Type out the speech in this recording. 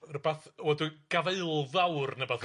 Rwbath wel dwi Gafaelfawr neu wbath?